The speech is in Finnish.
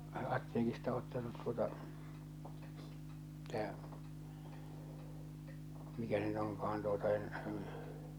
- apteekista ottanut tuota tämä mikä se nyt onkaan tuota en